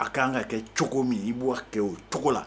A ka kan ka kɛ cogo min i b'a kɛ o cogo la.